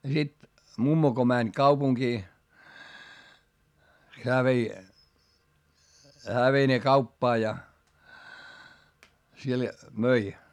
ja sitten mummo kun meni kaupunkiin hän vei hän vei ne kauppaan ja siellä myi